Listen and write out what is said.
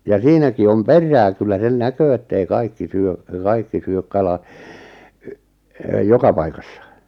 ja siinäkin on perää kyllä sen näkee että ei kaikki syö kaikki syö kala - joka paikassa